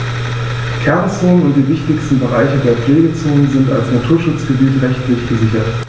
Kernzonen und die wichtigsten Bereiche der Pflegezone sind als Naturschutzgebiete rechtlich gesichert.